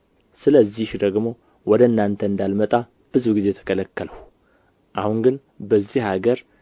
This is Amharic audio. ስለዚህ ደግሞ ወደ እናንተ እንዳልመጣ ብዙ ጊዜ ተከለከልሁ አሁን ግን በዚህ አገር